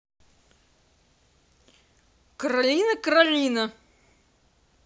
каролина каролина